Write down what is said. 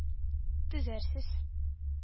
Төзәрсез